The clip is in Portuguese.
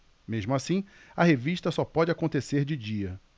mesmo assim a revista só pode acontecer de dia